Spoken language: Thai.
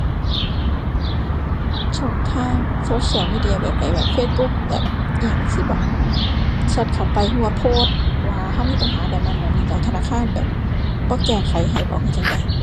ช่องทาง social media แบบใด แบบ Facebook แบบอิหยังจั่งซี้บ่ แชตเข้าไปรึว่าโพสต์ว่ารึมีปัญหาแบบนั้นแบบนี้เหรอ ธนาคารแบบบ่แก้ไขให้บ่รึจั่งใด